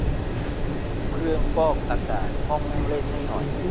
ปิดเครื่องฟอกอากาศห้องนั่งเล่นให้หน่อย